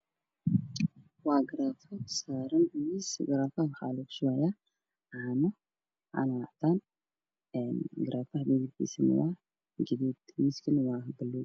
Waa garaafa saaran miis garaafaha waxaa lgu shubayaa caano caanaha wa cadaan Garaafaha midabkiisa waa gaduud miiskana waa baluug